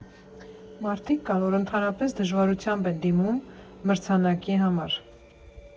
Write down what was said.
Մարդիկ կան, որ ընդհանրապես դժվարությամբ են դիմում մրցանակի համար։